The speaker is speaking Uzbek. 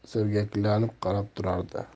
ularga sergaklanib qarab turardi